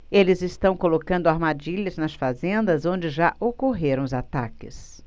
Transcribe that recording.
eles estão colocando armadilhas nas fazendas onde já ocorreram os ataques